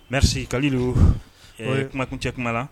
Mɛris kali o ye kumakun cɛ kuma la